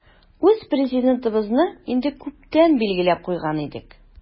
Үз Президентыбызны инде күптән билгеләп куйган идек.